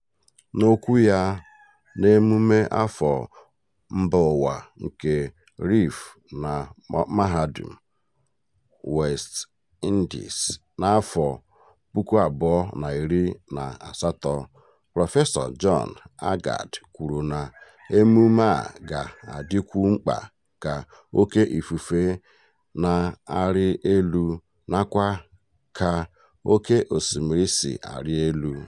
N'okwu ya n'emume afọ mbaụwa nke Reef na Mahadum West Indies n'afọ 2018, Prọfesọ John Agard kwuru na emume a ga-adịkwu mkpa ka oké ifufe na-arị elu nakwa ka oké osimiri si ari elu.